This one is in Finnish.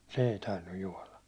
se ei tainnut juoda